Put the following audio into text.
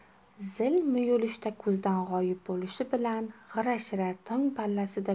zil muyulishda ko'zdan g'oyib bo'lishi bilan g'ira shira tong pallasida